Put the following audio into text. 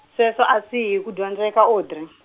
sweswo a swi yi hi ku dyondzeka Audrey.